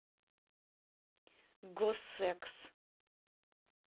го секс